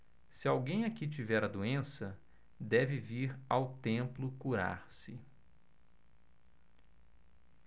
se alguém aqui tiver a doença deve vir ao templo curar-se